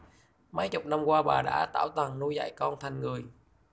mấy chục năm qua bà đã tảo tần nuôi dạy con thành người